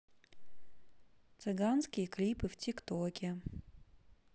цыганские клипы в тик токе